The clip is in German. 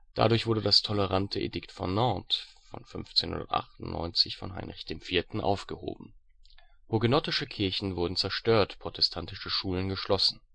Dadurch wurde das tolerante Edikt von Nantes (1598) von Heinrich IV. aufgehoben; hugenottische Kirchen wurden zerstört, protestantische Schulen geschlossen